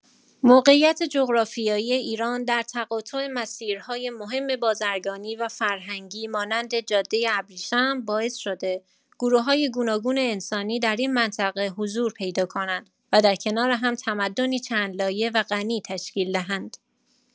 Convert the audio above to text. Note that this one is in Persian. موقعیت جغرافیایی ایران، در تقاطع مسیرهای مهم بازرگانی و فرهنگی مانند جاده ابریشم، باعث شده گروه‌های گوناگون انسانی در این منطقه حضور پیدا کنند و در کنار هم تمدنی چندلایه و غنی تشکیل دهند.